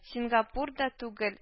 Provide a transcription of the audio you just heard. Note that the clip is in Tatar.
Сингапур да түгел